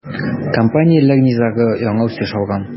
Компанияләр низагы яңа үсеш алган.